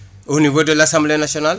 au niveau de l' assemblée nationale